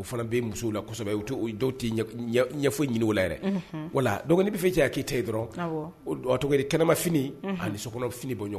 O fana bɛ ye musow la kɔsɛbɛ, dɔw tɛ ɲɛ foyi ɲini o la yɛrɛ, unhun, walaa, donc ni bɛfɛ i cɛ ka i k'i ta dɔrɔnw, a tɔgɔ ye di, kɛnɛmafini ani sokɔnɔfini bɔ ɲɔgɔn na!